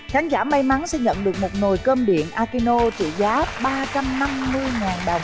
khán giả may mắn sẽ nhận được một nồi cơm điện a ki nô trị giá ba trăm năm nươi ngàn đồng